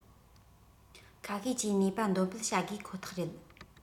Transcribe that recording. ཁ ཤས ཀྱི ནུས པ འདོན སྤེལ བྱ དགོས ཁོ ཐག རེད